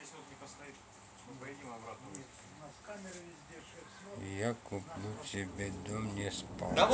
я куплю тебе дом не спал